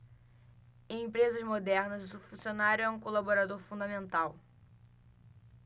em empresas modernas o funcionário é um colaborador fundamental